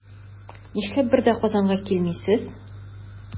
Нишләп бер дә Казанга килмисез?